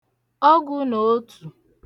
ọgụ nà otù